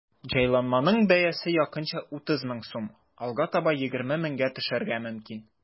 Җайланманың бәясе якынча 30 мең сум, алга таба 20 меңгә төшәргә мөмкин.